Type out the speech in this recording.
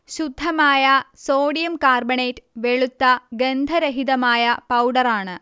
ശുദ്ധമായ sodium carbonate വെളുത്ത ഗന്ധരഹിതമായ പൗഡറാണ്